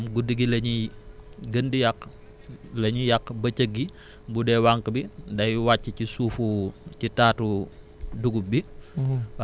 voilà ñoom guddi gi la ñiy gën di yàq la ñuy yàq bëccëg gi bu dee wànq bi day wàcc ci suufu ci taatu dugub bi